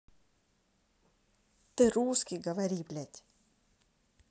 ты русский говори блядь